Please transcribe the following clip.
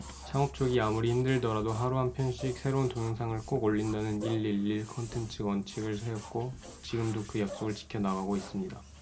창업 초기 아무리 힘들더라도 하루 한 편씩 새로운 동영상을 꼭 올린다는 일 일 일 콘텐트 원칙을 세웠고 지금도 그 약속을 지켜나가고 있습니다